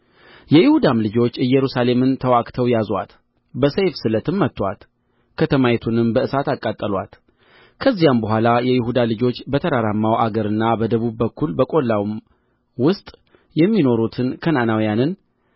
የይሁዳም ልጆች ኢየሩሳሌምን ተዋግተው ያዙአት በሰይፍ ስለትም መቱአት ከተማይቱንም በእሳት አቃጠሉአት ከዚያም በኋላ የይሁዳ ልጆች በተራራማው አገርና በደቡቡ በኩል በቈላውም ውስጥ የሚኖሩትን ከነዓናውያንን